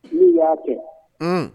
I' y'a kɛ